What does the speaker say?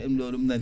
ɗum ɗo ɗum nani